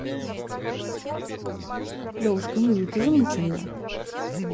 левушка милый ты замучил ее